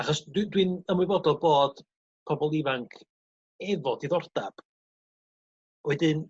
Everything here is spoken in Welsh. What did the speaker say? achos dw dwi'n ymwybodol bod pobl ifanc efo diddordab wedyn